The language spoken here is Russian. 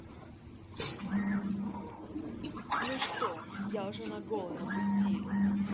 ну что я уже на голый напустили